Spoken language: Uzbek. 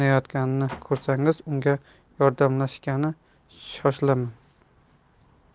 yonayotganini ko'rsangiz unga yordamlashgani shoshilaman